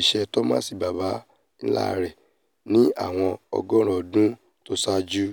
ìṣe Thomas baba-ńlá rẹ̀ ní àwọn ọgọ́ọ̀rún ọdún tó saájú.